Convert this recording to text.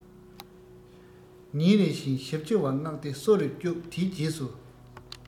ཉིན རེ བཞིན ཞབས ཕྱི བ མངགས ཏེ གསོ རུ བཅུག དེའི རྗེས སུ